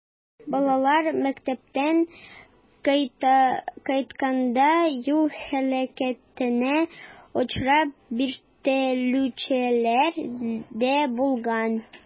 Балалар мәктәптән кайтканда юл һәлакәтенә очрап, биртелүчеләр дә булган.